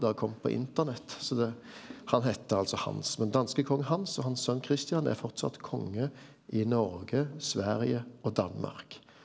det har kome på internett så det han heiter altså Hans, men danske kong Hans og hans son Christian er framleis konge i Noreg, Sverige og Danmark.